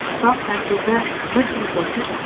tuproq tarkibi bir xil bo'lsa da